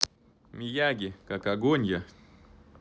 miyagi как огонь я